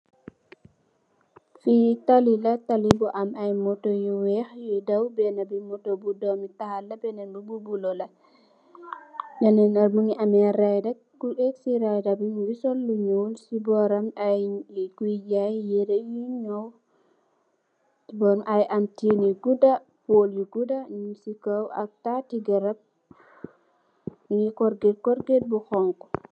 Fi tali la tali bu am ay motto yu wèèx ñi ngee daw, benna bi motto bu doomi tahal la benen bi bu bula la. Ñenen ñi ñu ngi ameh rayda, ku eek ci rayda bi mugii sol lu ñuul si bóram kuy jaay ay yirèh yin ñaw. Ay antin yu guddu pól yu guddu ñing ci kaw ay tati garap ak korget yu xonxu.